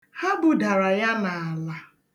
Ha budara ya n'ala.